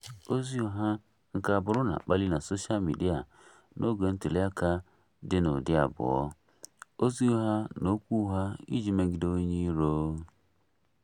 Ozi ụgha nke agbụrụ na-akpali na soshaa midịa n'oge ntụliaka dị n'ụdị abụọ: ozi ụgha na okwu ugha iji megide onye iro.